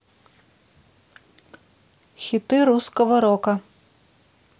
хиты русского рока